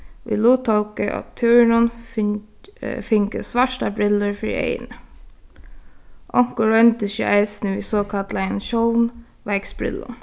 ið luttóku á túrunum fingu svartar brillur fyri eyguni onkur royndi seg eisini við sokallaðum sjónveiksbrillum